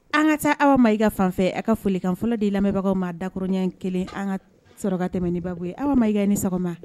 An ka taa aw ma i ka fanfɛ aw ka folikan fɔlɔfɔlɔ de lamɛnbagaw maa dakya kelen an ka sɔrɔ tɛmɛn ni ba ye aw ma i ka ni sɔgɔma